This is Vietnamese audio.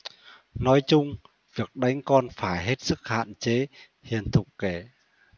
nói chung việc đánh con phải hết sức hạn chế hiền thục kể